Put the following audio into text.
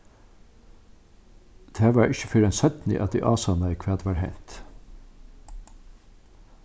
tað var ikki fyrr enn seinni at eg ásannaði hvat var hent